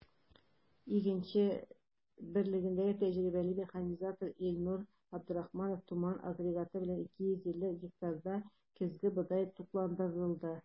“игенче” берлегендә тәҗрибәле механизатор илнур абдрахманов “туман” агрегаты белән 250 гектарда көзге бодай тукландырды.